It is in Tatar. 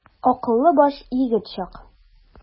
Акыллы баш, егет чак.